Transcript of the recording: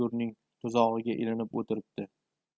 o'lgurning tuzog'iga ilinib o'tiribdi